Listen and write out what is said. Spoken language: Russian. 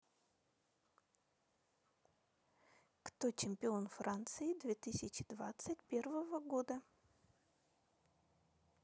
кто чемпион франции две тысячи двадцать первого года